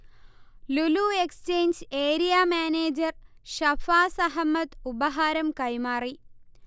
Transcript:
Lulu exchange area manager Shafas Ahmed ഉപഹാരം കൈമാറി